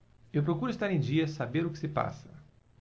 eu procuro estar em dia saber o que se passa